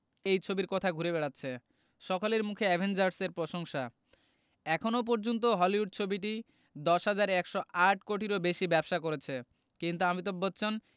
এই ছবির কথা ঘুরে বেড়াচ্ছে সকলের মুখে অ্যাভেঞ্জার্স এর প্রশংসা এখনও পর্যন্ত হলিউড ছবিটি ১০১০৮ কোটিরও বেশি ব্যবসা করেছে কিন্তু অমিতাভ বচ্চন